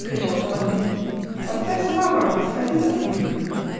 -- закричал смотритель, -- поставь самовар да сходи за сливками".